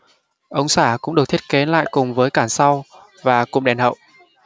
ống xả cũng được thiết kế lại cùng với cản sau và cụm đèn hậu